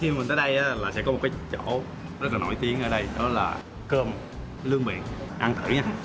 khi mà mình tới đây á là sẽ có một cái chỗ rất là nổi tiếng ở đây đó là cơm lươn biển ăn thử nhá